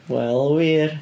Wel, wir.